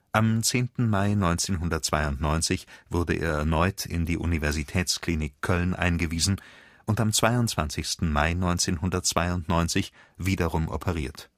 Am 10. Mai 1992 wurde er erneut in die Universitätsklinik Köln eingewiesen und am 22. Mai 1992 wiederum operiert